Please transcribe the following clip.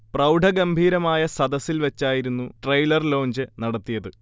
പ്രൗഢഗംഭീരമായ സദസ്സിൽ വെച്ചായിരുന്നു trailer launch നടത്തിയത്